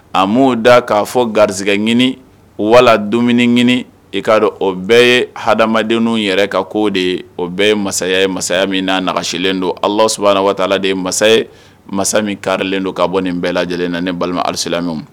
A'o da k'a fɔ garisɛgɛ ɲini wala dumuni ɲini i k kaa dɔn o bɛɛ ye hadamadenw yɛrɛ ka koo de ye o bɛɛ ye masa ye masaya min na nasilen don alas waatila de ye masa masa min karilen don ka bɔ nin bɛɛ lajɛlen na ni balima alisela ɲɔgɔn